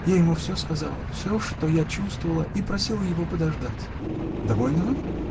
Я ему все сказала: все, что я чувствовала, и попросила его подождать. Довольны вы?